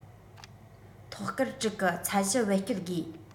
ཐོག སྐར དྲུག གི ཚད གཞི བེད སྤྱོད དགོས